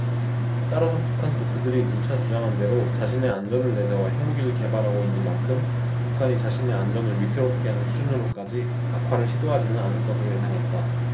따라서 북한도 그들이 누차 주장한대로 자신의 안전을 내세워 핵무기를 개발하고 있는 만큼 북한이 자신의 안전을 위태롭게 하는 수준으로까지 악화를 시도하지는 않을 것으로 예상했다